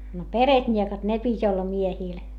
no peretniekat ne piti olla miehillä